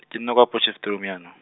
ke nna kwa Potchefstroom jaanong.